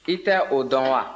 i tɛ o dɔn wa